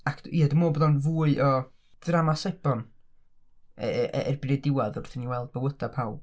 ac ia dwi'n meddwl bod o'n fwy o ddrama sebon e- e- erbyn y diwadd wrth i ni weld bywydau pawb.